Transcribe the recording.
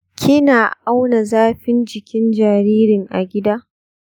kina auna zafin jiki jaririn a gida?